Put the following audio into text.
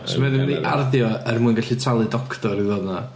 So mae o wedi mynd i arddio er mwyn gallu talu doctor i ddod yna?